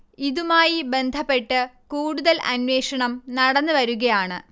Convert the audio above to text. ഇതുമായി ബന്ധപ്പെട്ട് കൂടുതൽ അന്വഷണം നടന്ന് വരുകയാണ്